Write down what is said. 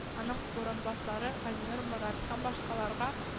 Аның урынбасары газинур морат һәм башкаларга